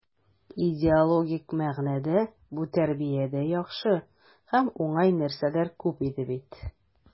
Идеологик мәгънәдә бу тәрбиядә яхшы һәм уңай нәрсәләр күп иде бит.